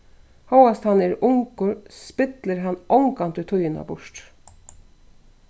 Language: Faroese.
hóast hann er ungur spillir hann ongantíð tíðina burtur